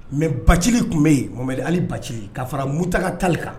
Bacili kun bɛ yen Mohamedi Lamini Bacili ka fara Mutakatali kan.